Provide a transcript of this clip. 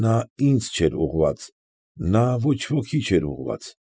Նա ինձ չէր ուղղված, նա ոչ ոքի չէր ուղղված։